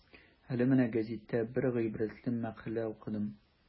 Әле менә гәзиттә бер гыйбрәтле мәкалә укыдым.